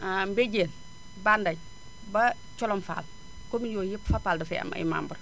Mbediène Bambeye ba Colom Fall commune yooyu yëpp Fapal dafee am ay membres